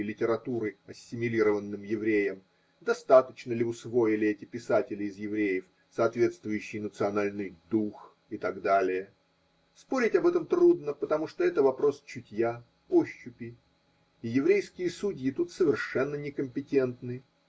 литературы ассимилированным евреям, достаточно ли усвоили эти писатели из евреев соответствующий национальный дух и т.д. Спорить об этом трудно потому, что это вопрос чутья, ощупи, и еврейские судьи тут совершенно не компетентны.